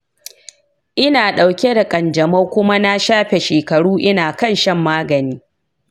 ina ɗauke da ƙanjamau kuma na shafe shekaru ina kan shan magani.